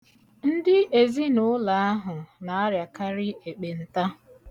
Ndị ezinụụlọ ahụ na-arịakarị ekpenta.